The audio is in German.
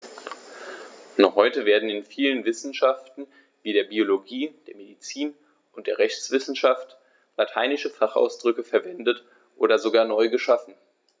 Noch heute werden in vielen Wissenschaften wie der Biologie, der Medizin und der Rechtswissenschaft lateinische Fachausdrücke verwendet und sogar neu geschaffen.